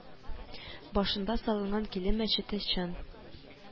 Башында салынган килем мәчете чын